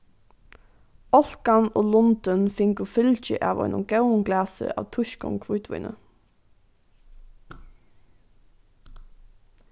álkan og lundin fingu fylgi av einum góðum glasi av týskum hvítvíni